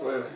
oui oui